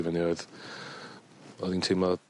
...i fyny oedd o'dd 'i'n teimlo